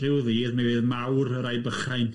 Rhyw ddydd, mi fydd mawr yr rhai bychain.